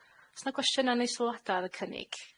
O's 'na gwestiyna' ne' sylwada' ar y cynnig?